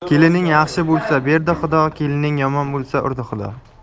kelining yaxshi bo'lsa berdi xudo kelining yomon bo'lsa urdi xudo